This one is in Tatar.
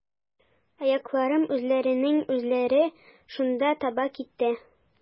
Аякларым үзләреннән-үзләре шунда таба китте.